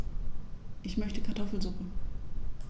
Ich möchte Kartoffelsuppe.